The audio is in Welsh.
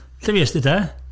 Lle fuest ti te?